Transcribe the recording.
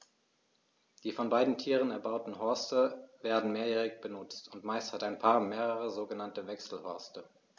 Die von beiden Tieren erbauten Horste werden mehrjährig benutzt, und meist hat ein Paar mehrere sogenannte Wechselhorste.